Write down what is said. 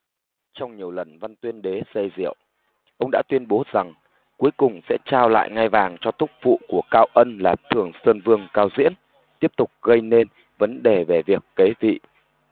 trong nhiều lần văn tuyên đế say rượu ông đã tuyên bố rằng cuối cùng sẽ trao lại ngai vàng cho thúc phụ của cao ân là thường sơn vương cao diễn tiếp tục gây nên vấn đề về việc kế vị